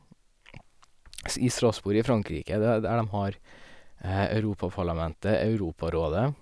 s I Strasbourg i Frankrike, det er der dem har Europaparlamentet, Europarådet...